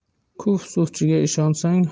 kuf sufchiga ishonsang